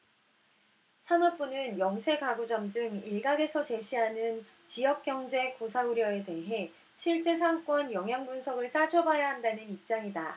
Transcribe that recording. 산업부는 영세 가구점 등 일각에서 제기하는 지역경제 고사 우려에 대해 실제 상권 영향분석을 따져봐야 한다는 입장이다